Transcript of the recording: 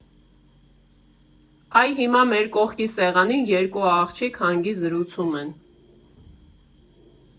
Այ հիմա մեր կողքի սեղանին երկու աղջիկ հանգիստ զրուցում են.